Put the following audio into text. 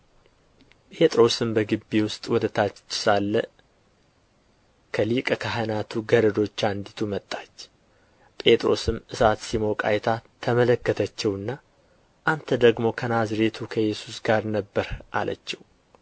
ጴጥሮስም በግቢ ውስጥ ወደ ታች ሳለ ከሊቀ ካህናቱ ገረዶች አንዲቱ መጣች ጴጥሮስም እሳት ሲሞቅ አይታ ተመለከተችውና አንተ ደግሞ ከናዝሬቱ ከኢየሱስ ጋር ነበርህ አለችው